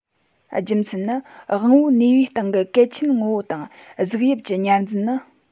རྒྱུ མཚན ནི དབང པོའི ནུས པའི སྟེང གི གལ ཆེན ངོ བོ དང གཟུགས དབྱིབས ཀྱི ཉར འཛིན ནི